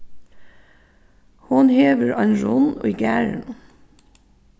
hon hevur ein runn í garðinum